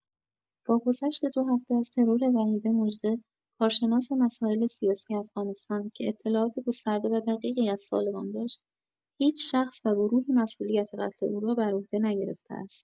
با گذشت دو هفته از ترور وحیده مژده، کارشناس مسائل سیاسی افغانستان که اطلاعات گسترده و دقیقی از طالبان داشت، هیچ شخص و گروهی مسئولیت قتل او را برعهده نگرفته است.